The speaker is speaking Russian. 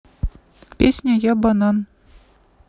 песня я банан